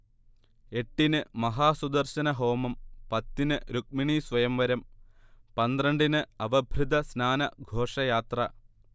എട്ടിന് മഹാസുദർശനഹോമം, പത്തിനു രുക്മിണീസ്വയംവരം, പന്ത്രണ്ടിന് അവഭൃഥസ്നാന ഘോഷയാത്ര